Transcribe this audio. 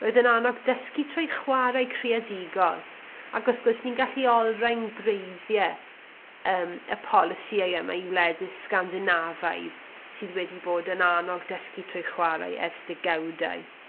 Roedd yn annog dysgu trwy chwarae creadigol ac wrth gwrs ni'n gallu olrhain gwreiddie yym y polisïau yma i wledydd Sgandinafaidd sydd wedi bod yn annog dysgu trwy chwarae ers degawdau.